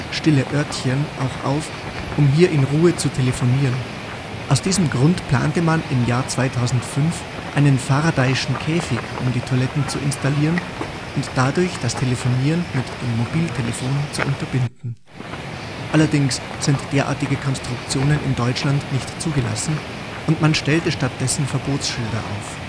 stille Örtchen “auch auf, um hier in „ Ruhe “zu telefonieren. Aus diesem Grund plante man im Jahr 2005, einen Faradayschen Käfig um die Toiletten zu installieren und dadurch das Telefonieren mit dem Mobiltelefon zu unterbinden. Allerdings sind derartige Konstruktionen in Deutschland nicht zugelassen und man stellte stattdessen Verbotsschilder auf